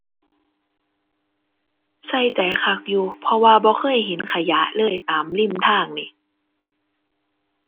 ใส่ใจคักอยู่ เพราะว่าบ่เคยเห็นขยะเลยตามริมทางหนิ